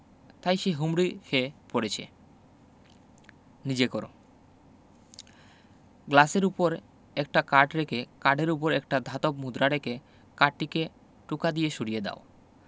তাই সে হুমড়ি খেয়ে পড়েছে গ্লাসের উপর একটা কার্ড রেখে কার্ডের উপর একটা ধাতব মুদ্রা রেখে কার্ডটিকে টোকা দিয়ে সরিয়ে দাও